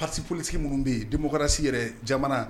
Pasi polisi minnu bɛ dimokarasi yɛrɛ jamana